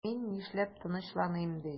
Мин нишләп тынычланыйм ди?